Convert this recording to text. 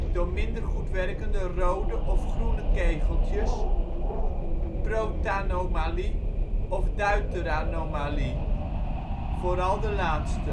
door minder goed werkende ' rode ' of ' groene ' kegeltjes (protanomalie en deuteranomalie, vooral de laatste